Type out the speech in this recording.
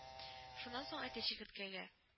Шуннан соң әтә Чикерткәгә: